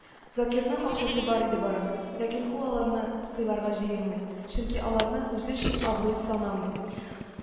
Закирның акчасы бар иде барын, ләкин ул аларны сыйларга җыенмый, чөнки аларны үзе өчен абруй санамый